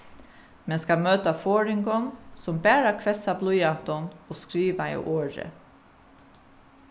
men skalt møta forðingum sum bara hvessa blýantin og skrivaða orðið